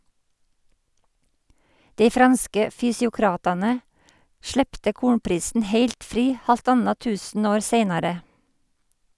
Dei franske fysiokratane slepte kornprisen heilt fri halvtanna tusenår seinare.